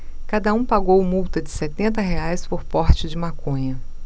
cada um pagou multa de setenta reais por porte de maconha